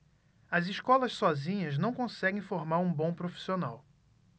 as escolas sozinhas não conseguem formar um bom profissional